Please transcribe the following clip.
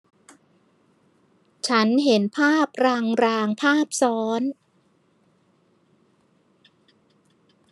ฉันเห็นภาพรางรางภาพซ้อน